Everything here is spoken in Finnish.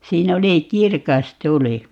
siinä oli kirkas tuli